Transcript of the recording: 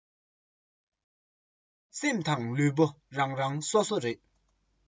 སེམས དང ལུས པོ རང རང སོ སོ རེད